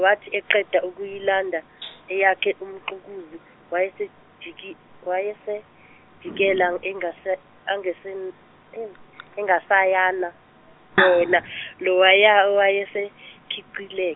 wathi eqeda ukuyilanda eyakhe uMxukuzi wayesejiki- wayesejikile, engase- angase- engasayanga, yena lowaya owayesekhicile-.